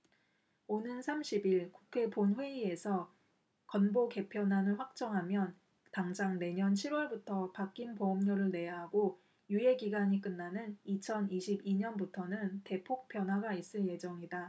오는 삼십 일 국회 본회의에서 건보 개편안을 확정하면 당장 내년 칠 월부터 바뀐 보험료를 내야 하고 유예 기간이 끝나는 이천 이십 이 년부터는 대폭 변화가 있을 예정이다